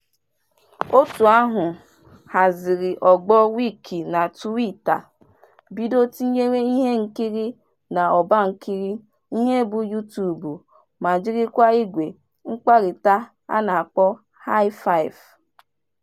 Otu ahụ haziri ọgbọ Wiki na Tụwita, bido tinyewe ihe nkiri n'ọbankiri ihe bụ Yutubu, ma jirikwa igwe mkparịta a na-akpọ Hi-5.